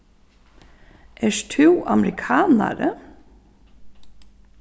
ert tú amerikanari